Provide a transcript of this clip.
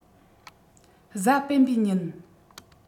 གཟའ སྤེན པའི ཉིན